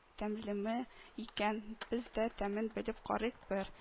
Тәмлеме икән – без дә тәмен белеп карыйк бер